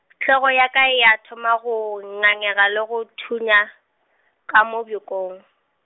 hlogo ya ka ya thoma go ngangega le go thunya, ka mo bjokong.